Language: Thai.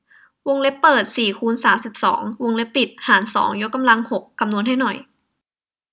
วงเล็บเปิดสี่คูณสามสิบสองวงเล็บปิดหารสองยกกำลังหกคำนวณให้หน่อย